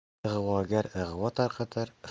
ig'vogar ig'vo tarqatar